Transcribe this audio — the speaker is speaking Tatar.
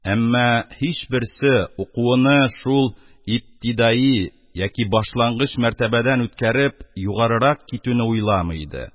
Әмма һичберсе, укуыны шул ибтидаи яки башлангыч мәртәбәдән үткәреп, югарырак китүне уйламый иде.